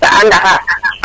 ga a ndaxar